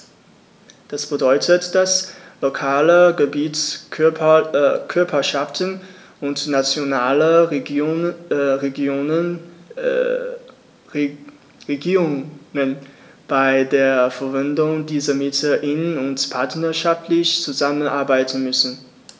Das bedeutet, dass lokale Gebietskörperschaften und nationale Regierungen bei der Verwendung dieser Mittel eng und partnerschaftlich zusammenarbeiten müssen.